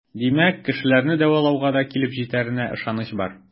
Димәк, кешеләрне дәвалауга да килеп җитәренә ышаныч бар.